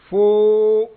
H